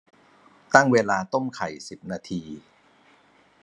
ตั้งเวลาต้มไข่สิบนาที